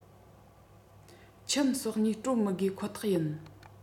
ཁྱིམ ༣༢ སྤྲོད མི དགོས ཁོ ཐག ཡིན